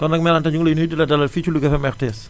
kon nag mère Anta ñu ngi lay nuyu di la dalal fii ci Louga FM RTS